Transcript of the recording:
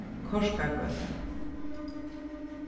korkagøta